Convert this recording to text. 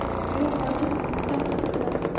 tuya qochib yukdan qutulmas